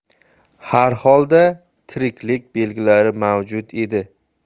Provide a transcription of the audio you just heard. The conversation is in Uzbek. harholda tiriklik belgilari mavjud edi